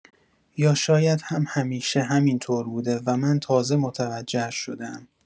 یا شاید هم همیشه همین‌طور بوده و من تازه متوجهش شده‌ام.